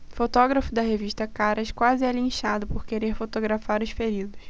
fotógrafo da revista caras quase é linchado por querer fotografar os feridos